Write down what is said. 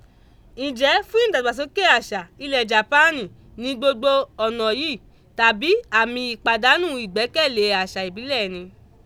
Ǹjẹ́ fún ìdàgbàsókè àṣà ilẹ̀ Jàpáànì ni gbogbo ọ̀nà yìí tàbí àmì ìpàdánù ìgbẹ́kẹ̀lé àṣà ìbílẹ̀ ẹni?